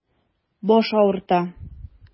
Баш авырта.